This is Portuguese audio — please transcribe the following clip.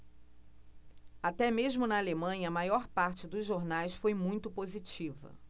até mesmo na alemanha a maior parte dos jornais foi muito positiva